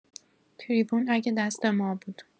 تریبون اگه دست ما بود